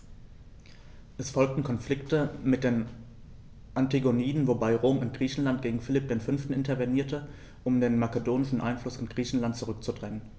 Es folgten Konflikte mit den Antigoniden, wobei Rom in Griechenland gegen Philipp V. intervenierte, um den makedonischen Einfluss in Griechenland zurückzudrängen.